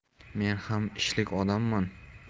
men ham ishlik odamman